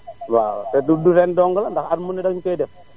waaw te du du ren dong la ndax at bu ne dañu koy def